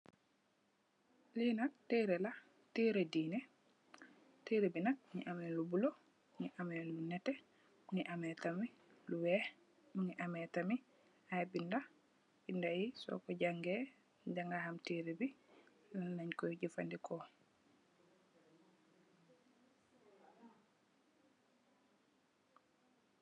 Fi nak teré la teré diina, teré bi nak mugii ameh lu bula mugii ameh lu netteh mugii ameh tamit lu wèèx, mugii ameh tamit ay bindé, bindé yi so ko jangèè di ga xam teré la ak lan lañ koy jafandiko.